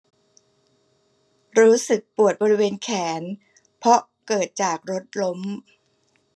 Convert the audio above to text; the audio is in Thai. รู้สึกปวดบริเวณแขนเพราะเกิดจากรถล้ม